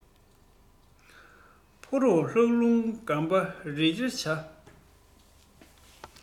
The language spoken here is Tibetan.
ཕོ རོག ལྷགས རླུང འགམ པ ཡི རེ འཕྱ